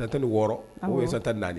Tan ni wɔɔrɔ o yesa tan naa